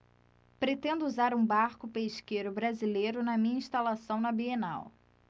pretendo usar um barco pesqueiro brasileiro na minha instalação na bienal